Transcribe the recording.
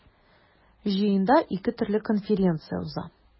Җыенда ике төрле конференция уза.